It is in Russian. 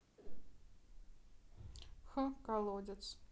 x колодец